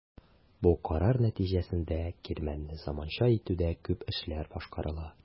Бу карар нәтиҗәсендә кирмәнне заманча итүдә күп эшләр башкарыла.